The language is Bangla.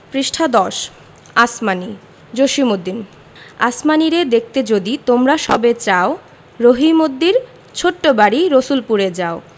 আসমানী জসিমউদ্দিন আসমানীরে দেখতে যদি তোমরা সবে চাও রহিমদ্দির ছোট্ট বাড়ি রসুলপুরে যাও